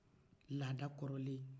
laada kɔrɔlen